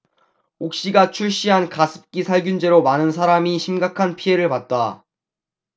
옥시가 출시한 가습기살균제로 많은 사람이 심각한 피해를 봤다